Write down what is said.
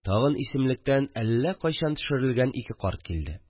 Тагын исемлектән әллә кайчан төшерелгән ике карт килде